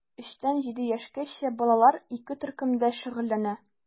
3 тән 7 яшькәчә балалар ике төркемдә шөгыльләнә.